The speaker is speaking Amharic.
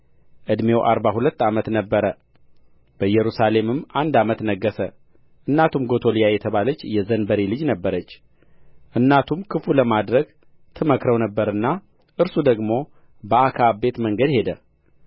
ዕድሜው አርባ ሁለት ዓመት ነበረ በኢየሩሳሌምም አንድ ዓመት ነገሠ እናቱም ጎቶሊያ የተባለች የዘንበሪ ልጅ ነበረች እናቱም ክፉ ለማድረግ ትመክረው ነበርና እርሱ ደግሞ በአክዓብ ቤት መንገድ ሄደ